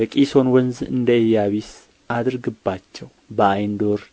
በቂሶንም ወንዝ እንደ ኢያቢስ አድርግባቸው በዓይንዶር